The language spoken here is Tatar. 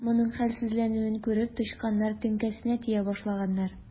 Моның хәлсезләнүен күреп, тычканнар теңкәсенә тия башлаганнар.